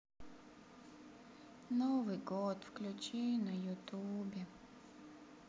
новый год включи на ютубе